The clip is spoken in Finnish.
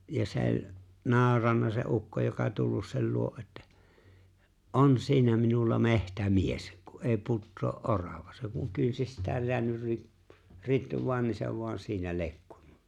ja se oli nauranut se ukko joka tullut sen luo että on siinä minulla metsämies kun ei putoa orava se kun kynsistään jäänyt - ritvaan niin se vain siinä lekkui